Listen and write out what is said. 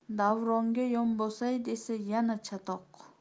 davronga yonbosay desa yana chatoq